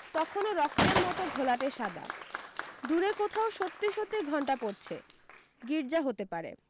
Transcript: তখনো রক্তের মতো ঘোলাটে সাদা দূরে কোথাও সত্যি সত্যি ঘণ্টা পড়ছে গীর্জা হতে পারে